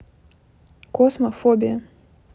kosmo фобия